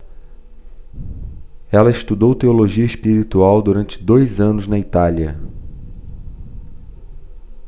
ela estudou teologia espiritual durante dois anos na itália